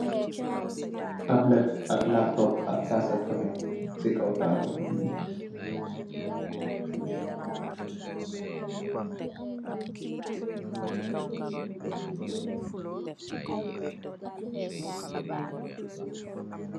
Tablet ak laptop ak kassap kafèh ci kaw tabal.